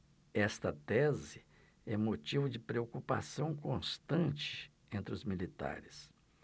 esta tese é motivo de preocupação constante entre os militares